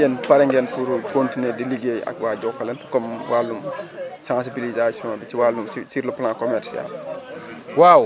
ndax yéen pare ngeen pour continué di liggéey ak waa Jokalante comme wàllum sensibilisation bi ci wàllum sur le plan commercial